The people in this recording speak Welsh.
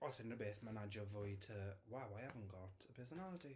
Os unrhyw beth, mae'n adio fwy to wow, I haven't got a personality!